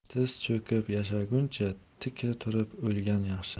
tiz cho'kib yashaguncha tik turib o'lgan yaxshi